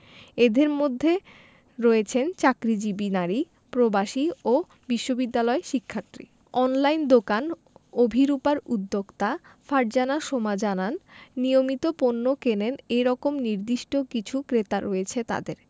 এঁদের মধ্যে রয়েছেন চাকরিজীবী নারী প্রবাসী ও বিশ্ববিদ্যালয় শিক্ষার্থী অনলাইন দোকান অভিরুপার উদ্যোক্তা ফারজানা সোমা জানান নিয়মিত পণ্য কেনেন এ রকম নির্দিষ্ট কিছু ক্রেতা রয়েছে তাঁদের